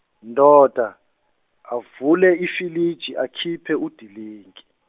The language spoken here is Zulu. ndoda avule ifiliji akhiphe udilinki.